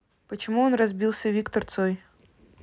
почему он разбился виктор цой